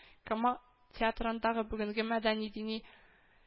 Камал театрындагы бүгенге мәдәни-дини